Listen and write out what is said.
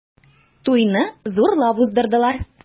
Туйны зурлап уздырдылар.